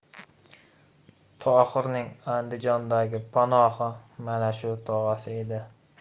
tohirning andijondagi panohi mana shu tog'asi edi